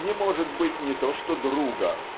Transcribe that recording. Не может быть не то что друга